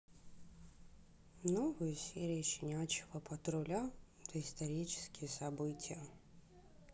новые серии щенячего патруля доисторические события